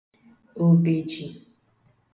òbèjì